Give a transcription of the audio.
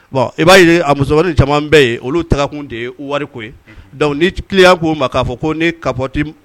I b'a a muso ni caman bɛɛ ye olu ta kun de ye wari ko ye niya k'o k'a fɔ ko ni kapti